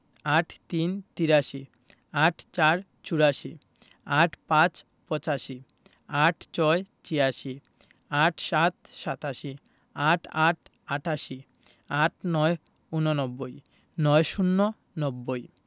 ৮৩ – তিরাশি ৮৪ – চুরাশি ৮৫ – পঁচাশি ৮৬ – ছিয়াশি ৮৭ – সাতাশি ৮৮ – আটাশি ৮৯ – ঊননব্বই ৯০ - নব্বই